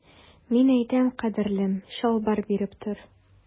Мин әйтәм, кадерлем, чалбар биреп тор.